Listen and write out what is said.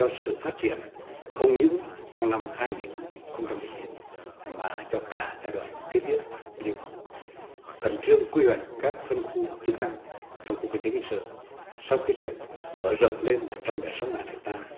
cho sự phát triển không những trong năm hai nghìn không trăm mười chín mà cho cả giai đoạn kế tiếp nhưng khẩn trương quy hoạch các phân khu chức năng trong khu kinh tế nghi sơn sau khi được mở rộng lên một trăm lẻ sáu ngàn héc ta